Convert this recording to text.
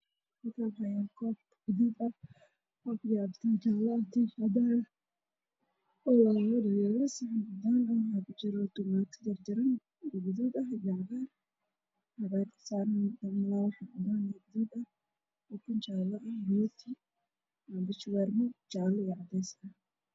Meeshaan waxaa yaalo miisaarihii khudaar iyo biyo camba ah